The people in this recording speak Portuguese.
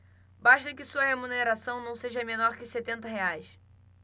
basta que sua remuneração não seja menor que setenta reais